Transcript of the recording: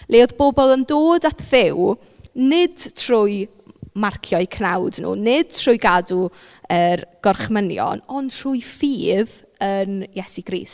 Le oedd bobl yn dod at Dduw nid trwy m- marcio'u cnawd nhw nid trwy gadw yr gorchmynion ond trwy ffydd yn Iesu Grist.